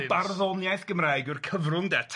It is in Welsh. Ond barddoniaeth Gymraeg yw'r cyfrwng de, Taliesin,